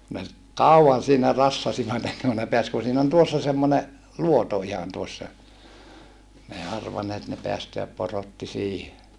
ne kauan siinä rassasivat ennen kuin ne pääsi kun siinä on tuossa semmoinen luoto ihan tuossa ne ei arvanneet ne päästää porotti siihen